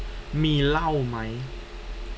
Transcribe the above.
มีเหล้าไหม